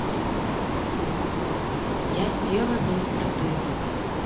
я сделана из протезов